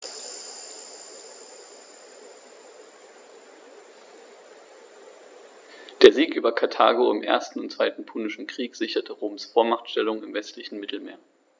Der Sieg über Karthago im 1. und 2. Punischen Krieg sicherte Roms Vormachtstellung im westlichen Mittelmeer.